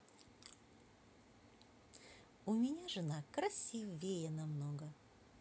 у меня жена красивее намного